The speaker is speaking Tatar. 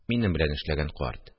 Минем белән эшләгән карт